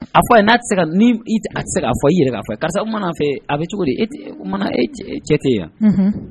A fɔ'a se a se'a fɔ i yɛrɛ k'a fɛ karisa mana fɛ a bɛ cogo di cɛ tɛ yan